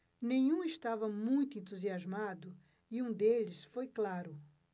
nenhum estava muito entusiasmado e um deles foi claro